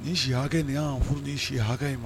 Nin si hakɛ nin y' furu di si hakɛ in ma